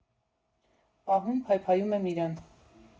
Պահում, փայփայում եմ իրան։